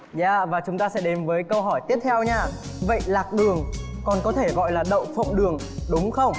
và và chúng ta sẽ đến với câu hỏi tiếp theo nha vậy lạc đường còn có thể gọi là đậu phộng đường đúng không